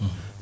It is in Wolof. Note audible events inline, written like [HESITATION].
[HESITATION] [HESITATION]